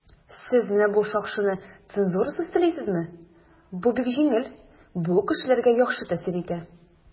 "сез менә бу шакшыны цензурасыз телисезме?" - бу бик җиңел, бу кешеләргә яхшы тәэсир итә.